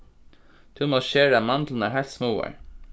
tú mást skera mandlurnar heilt smáar